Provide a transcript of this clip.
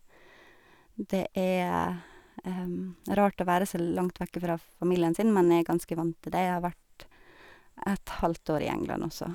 Det er rart å være så langt vekke fra familien sin, men jeg er ganske vant til det, jeg har vært et halvt år i England også.